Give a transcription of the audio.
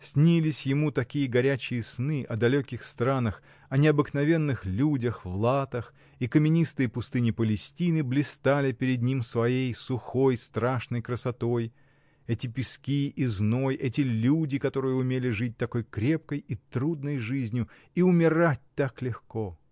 Снились ему такие горячие сны о далеких странах, о необыкновенных людях в латах, и каменистые пустыни Палестины блистали перед ним своей сухой, страшной красотой: эти пески и зной, эти люди, которые умели жить такой крепкой и трудной жизнью и умирать так легко!